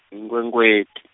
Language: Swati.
iNkhwekhweti.